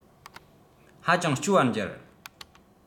ཧ ཅང སྐྱོ བར གྱུར